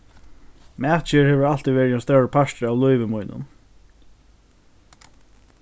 matgerð hevur altíð verið ein stórur partur av lívi mínum